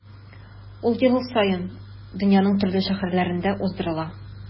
Ул ел саен дөньяның төрле шәһәрләрендә уздырыла.